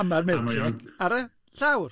A mae'r milkshake ar y, llawr.